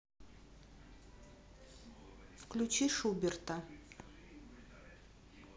включи шуберта